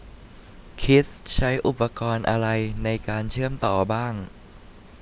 คริสใช้อุปกรณ์อะไรในการเชื่อมต่อบ้าง